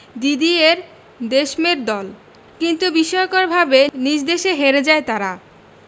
Didier দেশমের দল কিন্তু বিস্ময়করভাবে নিজ দেশে হেরে যায় তারা